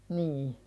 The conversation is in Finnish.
niin